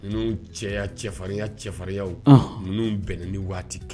Ninnu cɛya cɛfarinya cɛfarinyaw, anhan, ninnu bɛna ni waati kɛ